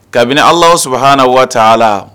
Kabini Alahu subuhanahu wataala